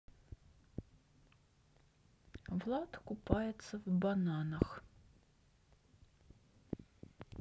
влад купается в бананах